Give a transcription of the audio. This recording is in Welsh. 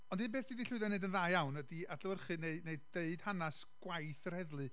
Ond un peth ti 'di llwyddo wneud yn dda iawn ydy adlewyrchu, neu neu deud hanes gwaith yr heddlu,